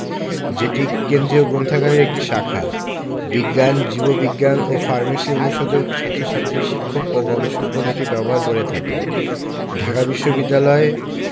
যেটি কেন্দ্রীয় গ্রন্থাগারের একটি শাখা বিজ্ঞান জীববিজ্ঞান ও ফার্মেসি অনুষদের ছাত্রছাত্রী শিক্ষক ও গবেষকগণ এটি ব্যবহার করে থাকেন ঢাকা বিশ্ববিদ্যালয়